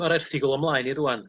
ma'r erthygl o mlaen i rŵan